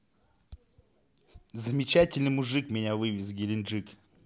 замечательный мужик меня вывез в геленджик